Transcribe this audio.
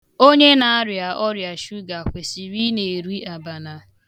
Onye na-arịa ọrịa suga kwesịrị ị na-eri abana.